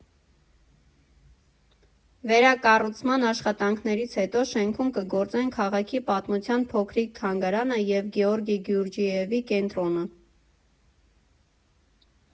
Վերակառուցման աշխատանքներից հետո շենքում կգործեն քաղաքի պատմության փոքրիկ թանգարանը և Գեորգի Գյուրջիևի կենտրոնը։